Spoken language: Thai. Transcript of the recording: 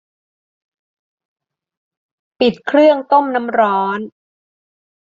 ปิดเครื่องต้มน้ำร้อน